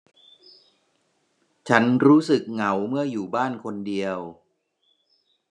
ฉันรู้สึกเหงาเมื่ออยู่บ้านคนเดียว